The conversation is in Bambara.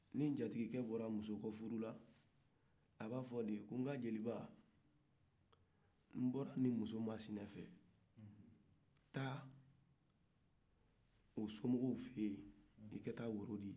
ni jatigikɛ bɔra muso kɔ furula a b'a fɔ de ko nka jeliba nbɔra nin muso masina fɛ taa u somogow fen i ka taa woro di